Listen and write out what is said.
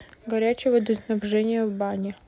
горячее водоснабжение в бане